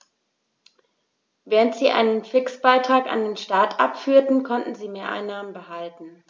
Während sie einen Fixbetrag an den Staat abführten, konnten sie Mehreinnahmen behalten.